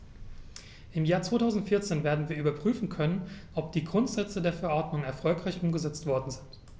Im Jahr 2014 werden wir überprüfen können, ob die Grundsätze der Verordnung erfolgreich umgesetzt worden sind.